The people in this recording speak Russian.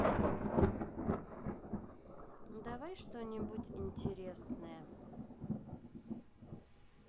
давай что нибудь интересное